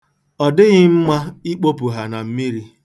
Ọ dịghị mma ikpopụ ha na mmiri.